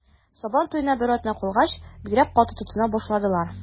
Сабан туена бер атна калгач, бигрәк каты тотына башладылар.